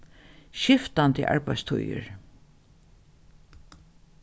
skiftandi arbeiðstíðir